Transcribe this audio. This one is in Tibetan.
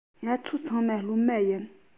ང ཚོ ཚང མ སློབ མ ཡིན